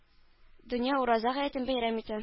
Дөнья Ураза гаетен бәйрәм итә